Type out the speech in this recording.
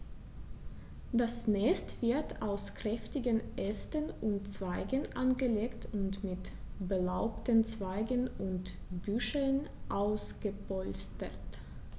Das Nest wird aus kräftigen Ästen und Zweigen angelegt und mit belaubten Zweigen und Büscheln ausgepolstert.